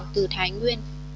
từ thái nguyên